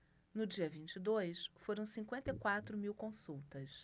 no dia vinte e dois foram cinquenta e quatro mil consultas